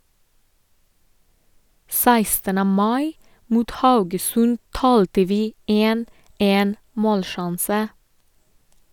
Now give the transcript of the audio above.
16. mai mot Haugesund talte vi 1 - én - målsjanse.